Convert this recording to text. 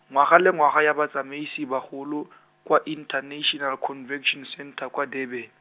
ngwaga le ngwaga ya Batsamaisi bagolo, kwa International Convention Centre kwa Durban.